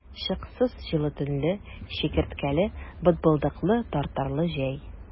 Чыксыз җылы төнле, чикерткәле, бытбылдыклы, тартарлы җәй!